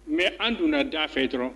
Mɛ an donna da fɛ dɔrɔn